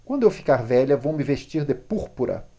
quando eu ficar velha vou me vestir de púrpura